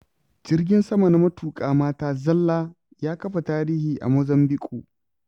Jirgin sama na matuƙa mata zalla ya kafa tarihi a Mozambiƙue